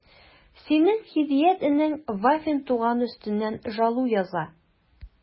Синең Һидият энең Вафин туганы өстеннән жалу яза...